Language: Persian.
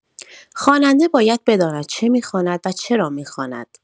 خواننده باید بداند چه می‌خواند و چرا می‌خواند.